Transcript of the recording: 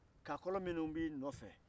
kakɔlɔ minnu b'i nɔfɛ